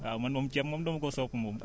waaw man moom ceeb moom dama koo sopp moom